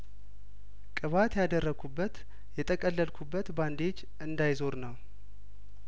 ቅባት ያደረኩበት የጠቀለልኩበት ባንዴጅ እንዳይዞር ነው